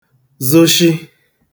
zụshị